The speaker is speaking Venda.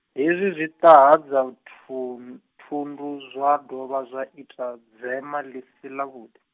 hezwi zwi ṱahadza thun-, thundu zwa dovha zwa ita, dzema ḽi si ḽavhuḓi.